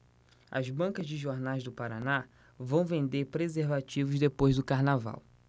as bancas de jornais do paraná vão vender preservativos depois do carnaval